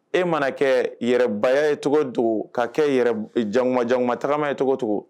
E mana kɛ yɛrɛbaa ye cogo to ka kɛ jankuma jankumama tagama ye cogo to